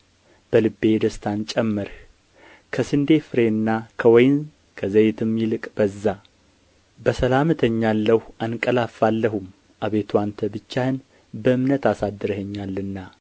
በልቤ ደስታን ጨመርህ ከስንዴ ፍሬና ከወይን ከዘይትም ይልቅ በዛ በሰላም እተኛለሁ አንቀላፋለሁም አቤቱ አንተ ብቻህን በእምነት አሳድረኸኛልና